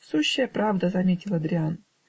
-- "Сущая правда, -- заметил Адриян